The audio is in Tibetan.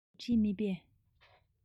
ཁྱེད རང གིས བྲིས མེད པས